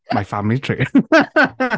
My family tree.